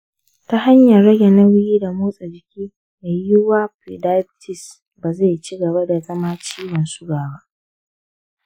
ta hanyar rage nauyi da motsa jiki, mai yiwuwa prediabetes ba zai ci gaba ya zama ciwon suga ba.